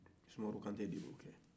sumaworo kante de y'o kɛ